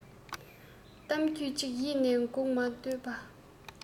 གཏམ རྒྱུད ཅིག ཡིད ནས སྒུལ མ འདོད པས